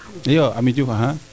iyo Amy Diouf